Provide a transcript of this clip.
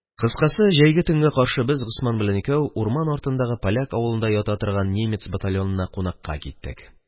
Кыскасы: җәйге төнгә каршы без Госман белән икәү урман артындагы поляк авылында ята торган немец батальонына «кунакка» киттек.